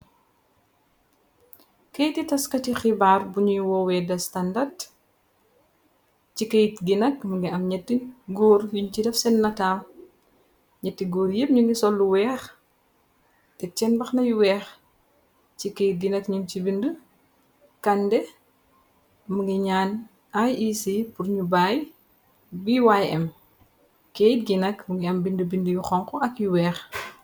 Keyti taskati xibaar buñuy woowee da standard ci keyt gi nak mu ngi am gñetti góor yuñ ci daf sen natal ñetti goor yépp ñu ngi sol lu weex tek sen maxna yu weex ci keyt gi nag ñin ci bind kande mu ngi ñaan iec burñu baay bi wym keyt ginak mungi am bind-bind yu xonxu ak yu weex.